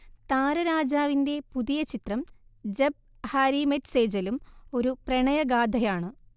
താരരാജാവിന്റെ പുതിയ ചിത്രം Jab Harry Met സേജലും ഒരു പ്രണയഗാഥയാണ്